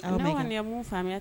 A kɔni mun faamuya